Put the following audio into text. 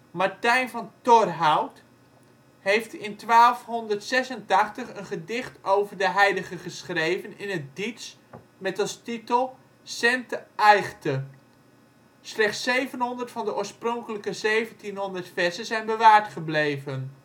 Martijn van Torhout, heeft in 1286 een gedicht over de heilige geschreven in het Diets met als titel: Sente Aechte. Slechts 700 van de oorspronkelijke 1700 verzen zijn bewaard gebleven